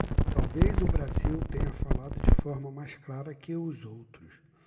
talvez o brasil tenha falado de forma mais clara que os outros